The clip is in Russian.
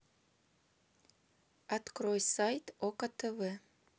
открой сайт окко тв